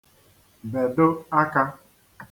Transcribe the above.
bèdo akā